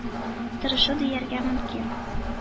Тырышу дияргә мөмкин.